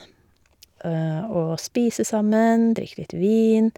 Og spise sammen, drikke litt vin.